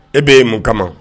E bɛ' ye mun kama